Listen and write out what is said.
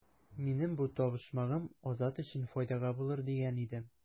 Минем бу табышмагым Азат өчен файдага булыр дигән идем.